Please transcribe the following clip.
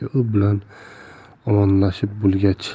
dedi yigitali aka u bilan omonlashib bo'lgach